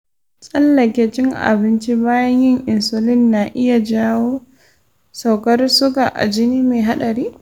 tsallake cin abinci bayan yin insulin na iya jawo saukar suga a jini mai haɗari.